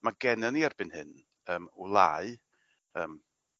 Ma' gennon ni erbyn hyn yym wlâu yym